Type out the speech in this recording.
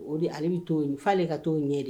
O de ale b'i t'u ɲinin f'ale ka to u ye de